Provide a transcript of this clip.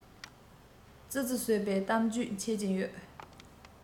ཙི ཙི གསོད པའི གཏམ རྒྱུད འཆད ཀྱི ཡོད